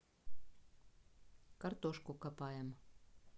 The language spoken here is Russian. картошку копаем